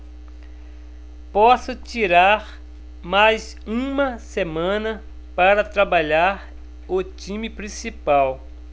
posso tirar mais uma semana para trabalhar o time principal